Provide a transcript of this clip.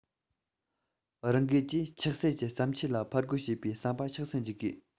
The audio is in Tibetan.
རང འགུལ གྱིས ཆགས སྲེད ཀྱི བརྩམས ཆོས ལ ཕར རྒོལ བྱེད པའི བསམ པ ཆགས སུ འཇུག དགོས